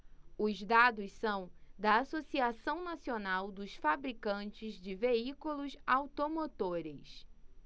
os dados são da anfavea associação nacional dos fabricantes de veículos automotores